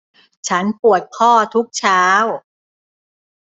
ฉันปวดข้อทุกเช้า